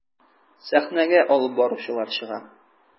Сәхнәгә алып баручылар чыга.